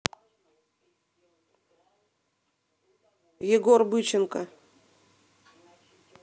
егор быченко